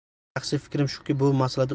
mening shaxsiy fikrim shuki bu masala